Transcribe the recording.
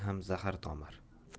ham zahar tomar